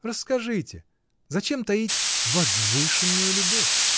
— Расскажите: зачем таить возвышенную любовь?.